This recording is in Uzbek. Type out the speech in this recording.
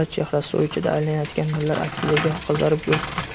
chehrasi suv ichida aylanayotgan nurlar aksida goh qizarib